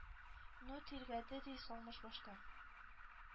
Ну, тиргәде ди, салмыш баштан,